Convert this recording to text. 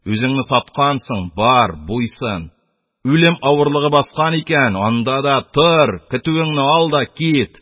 Үзеңне саткансың; бар, буйсын, үлем авырлыгы баекан икән, анда да тор, көтүеңне ал да кит!